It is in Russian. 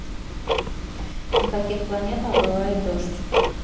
на каких планетах бывает дождь